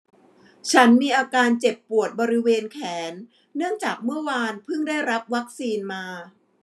ฉันมีอาการเจ็บปวดบริเวณแขนเนื่องจากเมื่อวานพึ่งได้รับวัคซีนมา